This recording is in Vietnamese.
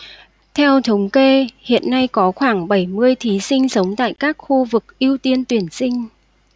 theo thống kê hiện nay có khoảng bảy mươi thí sinh sống tại các khu vực ưu tiên tuyển sinh